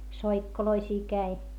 soikkoloisia kävi